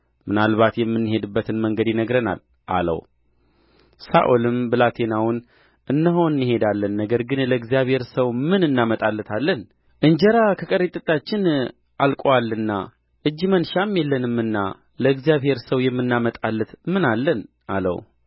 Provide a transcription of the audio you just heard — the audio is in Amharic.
ምናልባት የምንሄድበትን መንገድ ይነግረናል አለው ሳኦልም ብላቴናውን እነሆ እንሄዳለን ነገር ግን ለእግዚአብሔር ሰው ምን እናመጣለታለን እንጀራ ከከረጢታችን አልቆአልና እጅ መንሻም የለንምና ለእግዚአብሔር ሰው የምናመጣለት ምን አለን አለው